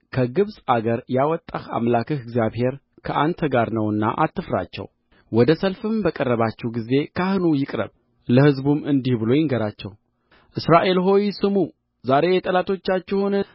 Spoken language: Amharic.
አምላክህ እግዚአብሔር ከአንተ ጋር ነውና አትፍራቸው ወደ ሰልፍም በቀረባችሁ ጊዜ ካህኑ ይቅረብ ለሕዝቡም እንዲህ ብሎ ይንገራቸው እስራኤል ሆይ ስሙ ዛሬ ጠላቶቻችሁን